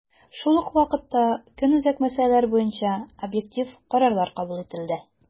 Шул ук вакытта, көнүзәк мәсьәләләр буенча объектив карарлар кабул ителде.